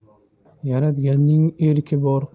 yaratganning erki bor